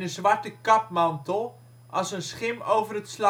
zwarte kapmantel als een schim over het